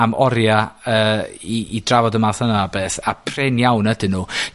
am oria yy i i drafod y math yna o beth, a prin iawn ydyn nhw.